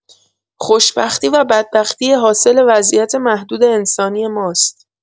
خوشبختی و بدبختی حاصل وضعیت محدود انسانی ماست.